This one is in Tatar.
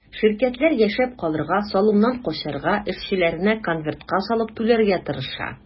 Ширкәтләр яшәп калырга, салымнан качарга, эшчеләренә конвертка салып түләргә тырыша.